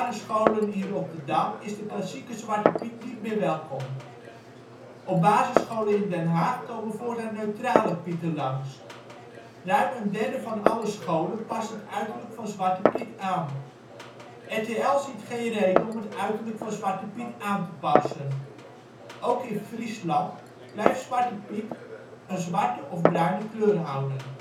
scholen in Rotterdam is de klassieke Zwarte Piet niet meer welkom. Op basisscholen in Den Haag komen voortaan neutrale Pieten langs. Ruim een derde van alle scholen past het uiterlijk van Zwarte Piet aan. RTL ziet geen reden om het uiterlijk van Zwarte Piet aan te passen. Ook in Friesland blijft Zwarte Piet een zwarte of bruine kleur houden